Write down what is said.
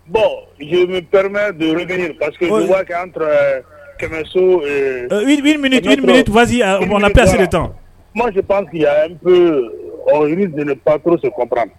Bonppme an kɛmɛsosi mɔnpsi tansi pasi ɔ panpsi kɔnp